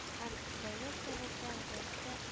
Һәм дәүләт советы әгъзасе